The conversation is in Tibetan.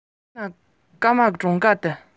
ཁོས ཁོང ཁྲོ ཆེན པོས ཁང སྟོང ནས